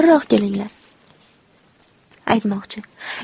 yaqinroq kelinglar aytmoqchi